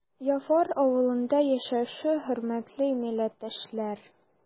Яфар авылында яшәүче хөрмәтле милләттәшләр!